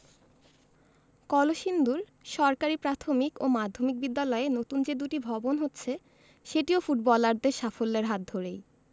কলসিন্দুর সরকারি প্রাথমিক ও মাধ্যমিক বিদ্যালয়ে নতুন যে দুটি ভবন হচ্ছে সেটিও ফুটবলারদের সাফল্যের হাত ধরেই